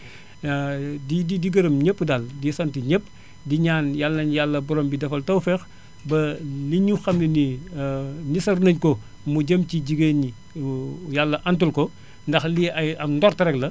di di di gërëm ñëpp daal di snt ñëpp di ñaan yàlla na yàlla borom bi defal ñu tawféex ba li ñu xam ne nii nisar nañu ko mu jëm ci jigéen ñi yàlla antal ko ndax lii ay ay am ndort rek la